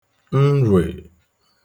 nrwè